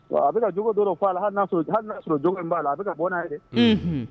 A bɛ jogo dɔ de fɔ a la hali n'a sɔrɔ hali n'a sɔrɔ jogo in b'a la, a bɛna bɔ n'a ye.